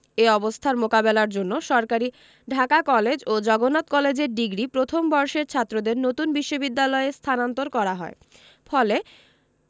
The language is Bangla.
এ অবস্থার মোকাবেলার জন্য সরকারি ঢাকা কলেজ ও জগন্নাথ কলেজের ডিগ্রি প্রথম বর্ষের ছাত্রদের নতুন বিশ্ববিদ্যালয়ে স্থানান্তর করা হয় ফলে